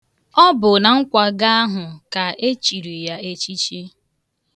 Ọ bụ na nkwago ahụ ka echiri ya echichi.